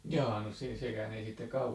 jaa no sekään ei sitten kauan